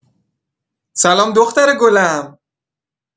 سلام دختر گلم